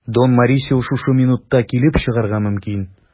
Дон Морисио шушы минутта килеп чыгарга мөмкин.